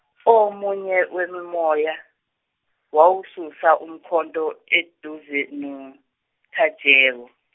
omunye wemimoya wawususa umkhonto eduze noTajewo.